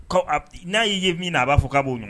N'a y'i ye min na a b'a fɔ k' b'o ɲɔgɔn